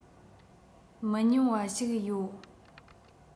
མི ཉུང བ ཞིག ཡོད